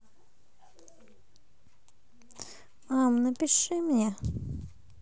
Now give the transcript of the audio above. мам напиши мне